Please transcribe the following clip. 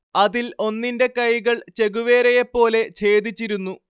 അതിൽ ഒന്നിന്റെ കൈകൾ ചെഗുവേരയെപ്പോലെ ഛേദിച്ചിരുന്നു